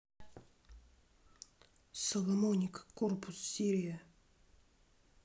соломоник корпус сирия